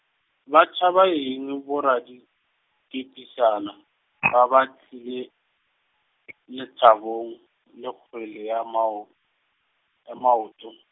ba tšhaba eng borra dikepisana, fa ba tlile , lethabong le kgwele ya mao-, ya maoto.